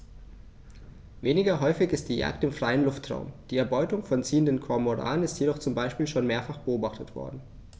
Weniger häufig ist die Jagd im freien Luftraum; die Erbeutung von ziehenden Kormoranen ist jedoch zum Beispiel schon mehrfach beobachtet worden.